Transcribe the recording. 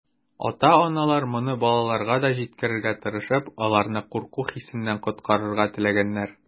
Ата-аналар, моны балаларга да җиткерергә тырышып, аларны курку хисеннән коткарырга теләгәннәр.